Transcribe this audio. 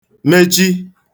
mechi